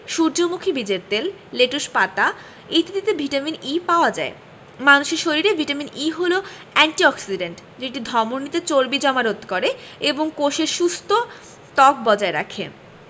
সূর্যমুখী বীজের তেল লেটুস পাতা ইত্যাদিতে ভিটামিন E পাওয়া যায় মানুষের শরীরে ভিটামিন E হলো এন্টি অক্সিডেন্ট যেটি ধমনিতে চর্বি জমা রোধ করে এবং কোষের সুস্থ ত্বক বজায় রাখে